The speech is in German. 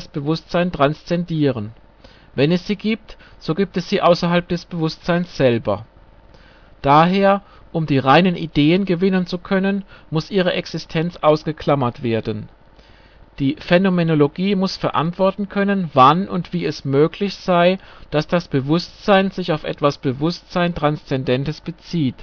Bewusstsein transzendieren: wenn es sie gibt, so gibt es sie außerhalb des Bewusstseins selber. Daher, um die reinen Ideen gewinnen zu können, muss ihre Existenz ausgeklammert werden. Die Phänomenologie muss verantworten können, wann und wie es möglich sei, dass das Bewusstsein sich auf etwas Bewusstsein-transzendentes bezieht